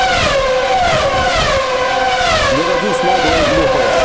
не родись наглая и глупая